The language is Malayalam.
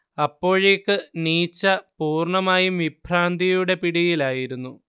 അപ്പോഴേക്ക് നീച്ച പൂർണ്ണമായും വിഭ്രാന്തിയുടെ പിടിയിലായിരുന്നു